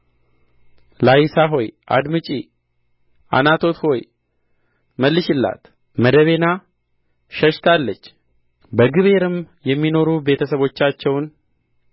ላይሳ ሆይ አድምጪ ዓናቶት ሆይ መልሽላት መደቤና ሸሽታለች በግቤርም የሚኖሩ ቤተ ሰቦቻቸውን